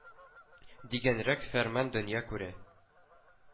Дигәнрәк фәрман дөнья күрә.